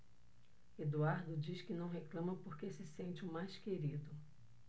eduardo diz que não reclama porque se sente o mais querido